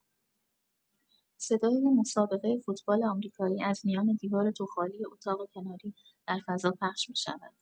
صدای مسابقه فوتبال آمریکایی از میان دیوار توخالی اتاق کناری در فضا پخش می‌شود.